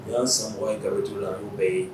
U y' a sɔrɔ mɔgɔ ye galo t'u la n'u bɛɛ ye